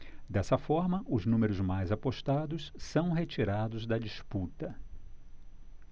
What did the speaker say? dessa forma os números mais apostados são retirados da disputa